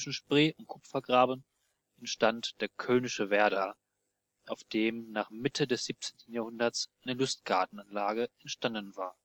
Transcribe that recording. Spree und Kupfergraben entstand der Cöllnische Werder, auf dem nach Mitte des 17. Jahrhunderts eine Lustgartenanlage entstanden war